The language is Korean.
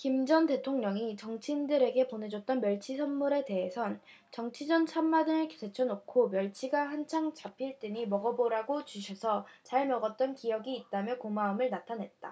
김 전 대통령이 정치인들에게 보내줬던 멸치 선물에 대해선 정치적인 찬반을 제쳐놓고 멸치가 한창 잡힐 때니 먹어보라고 주셔서 잘 먹었던 기억이 있다며 고마움을 나타냈다